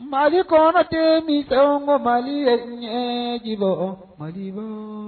Malikɔrɔ den ni mali bɛ diɲɛ dibɔ ma